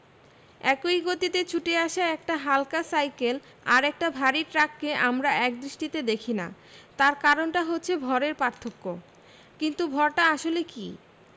একই গতিতে ছুটে আসা একটা হালকা সাইকেল আর একটা ভারী ট্রাককে আমরা একদৃষ্টিতে দেখি না তার কারণটা হচ্ছে ভরের পার্থক্য কিন্তু ভরটা আসলে কী